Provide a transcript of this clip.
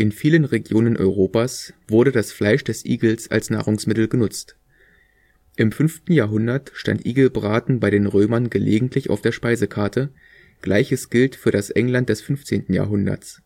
vielen Regionen Europas wurde das Fleisch des Igels als Nahrungsmittel genutzt. Im fünften Jahrhundert stand Igelbraten bei den Römern gelegentlich auf der Speisekarte, gleiches gilt für das England des 15. Jahrhunderts